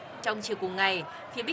trong chiều cùng ngày khi bích